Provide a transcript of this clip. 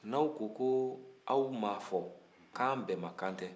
n'aw ko ko aw m'a fɔ k'an bɛnmakan tɛ